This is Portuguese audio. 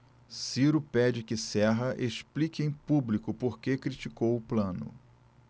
ciro pede que serra explique em público por que criticou plano